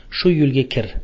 shu yo'lga kir